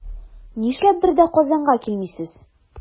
Нишләп бер дә Казанга килмисез?